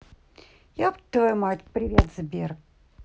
еб твою мать привет сбер